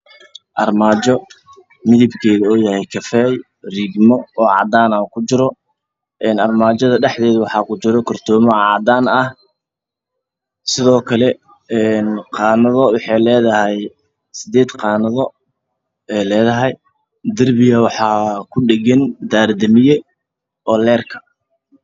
Waa armaajo midabkeedu uu yahay kafay oo riigmo cadaan ah kujiro, armaajada dhexdeeda waxaa kujiro kartooman cadaan ah, waxay leedahay qaanado siddeed xabo ah, darbiga waxaa kudhagan daare damiye oo layrka ah.